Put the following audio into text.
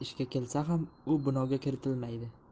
ishga kelsa ham u binoga kiritilmaydi